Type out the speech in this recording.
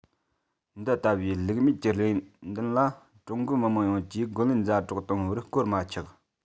འདི ལྟ བུའི ལུགས མེད ཀྱི རེ འདུན ལ ཀྲུང གོ མི དམངས ཡོངས ཀྱིས རྒོལ ལན ཛ དྲག གཏོང བར གོར མ ཆག